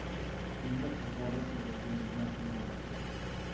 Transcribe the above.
shunda saxoba xudoga yana nola qipti